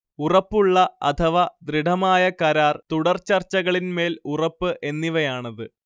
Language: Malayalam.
ഉറപ്പുള്ള അഥവാ ദൃഢമായ കരാർ, തുടർചർച്ചകളിന്മേൽ ഉറപ്പ് എന്നിവയാണത്